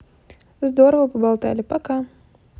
здорово поболтали пока